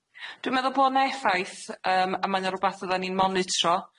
Dwi'n meddwl bo' 'na effaith, yym, a mae o'n rwbath fyddan ni'n monitro,